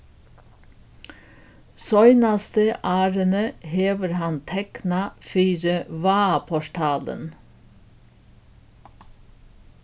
seinastu árini hevur hann teknað fyri vágaportalin